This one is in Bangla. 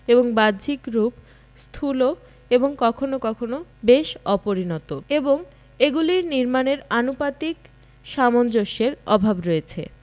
এবং বাহ্যিক রূপ স্থূল এবং কখনও কখনও বেশ অপরিণত এবং এগুলির নির্মাণের আনুপাতিক সামঞ্জস্যের অভাব রয়েছে